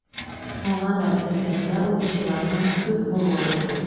Аңа да мәктәптә укучыларның күп булуы ошый.